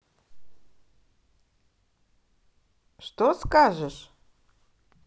что скажешь